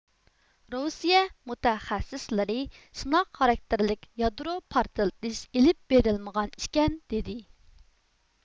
روسىيە مۇتەخەسسىسلىرى سىناق خاراكتېرلىك يادرو پارتلىتىش ئېلىپ بېرىلمىغان ئىكەن دىدى